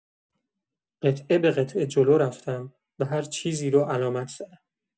قطعه‌به‌قطعه جلو رفتم و هرچیزی رو علامت زدم.